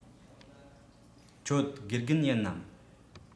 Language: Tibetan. ཁྱོད དགེ རྒན ཡིན ནམ